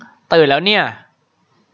ตื่นแล้วเนี่ย